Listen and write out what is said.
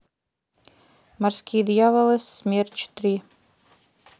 морские дьяволы смерч три